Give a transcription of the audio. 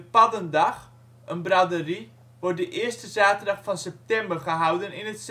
Padd'ndag, een braderie, wordt de eerste zaterdag van september gehouden in het